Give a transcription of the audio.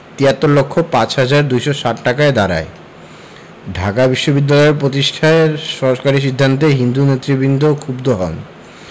৭৩ লক্ষ ৫ হাজার ২৬০ টাকায় দাঁড়ায় ঢাকা বিশ্ববিদ্যালয় পতিষ্ঠার সরকারি সিদ্ধান্তে হিন্দু নেতৃবৃন্দ ক্ষুব্ধ হন